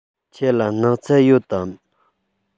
ཁྱེད ལ སྣག ཚ ཡོད དམ